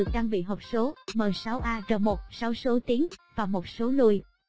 và được trang bị hộp số m ar số tiến và số lùi